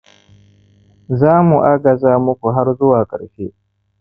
za mu agaza muku har zuwa ƙarshe